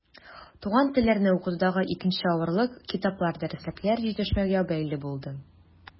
Туган телләрне укытудагы икенче авырлык китаплар, дәреслекләр җитешмәүгә бәйле булды.